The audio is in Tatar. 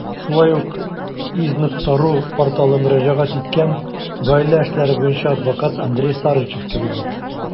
Шулай ук iz.ru порталы мөрәҗәгать иткән гаилә эшләре буенча адвокат Андрей Сарычев кебек үк.